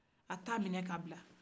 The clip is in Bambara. a t'a minɛ k'a bila